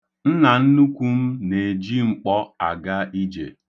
Nnannukwu m na-eji mkpọ aga ije.